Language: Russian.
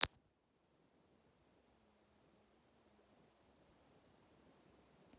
потомственная повариха на ютубе